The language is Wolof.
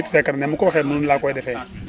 aussi it fekk na mu ko waxee noonu laa koy defee